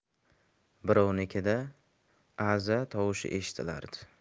birovnikida aza tovushi eshitilardi